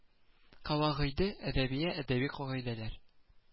Кавагыйде әдәбия - әдәби кагыйдәләр